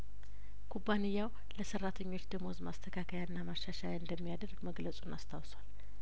ኩባንያው ለሰራተኞች ደሞዝ ማስተካከያና ማሻሻያ እንደሚያደርግ መግለጹን አስታውሷል